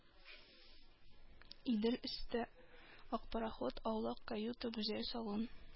Идел өсте, ак пароход, аулак каюта, гүзәл салон